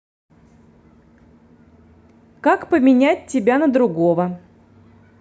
как поменять тебя на другого